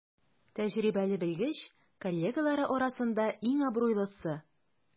Тәҗрибәле белгеч коллегалары арасында иң абруйлысы.